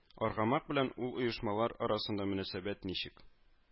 Аргамак белән ул оешмалар арасында мөнәсәбәт ничек